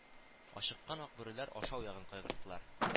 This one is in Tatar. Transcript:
Ачыккан акбүреләр ашау ягын кайгырттылар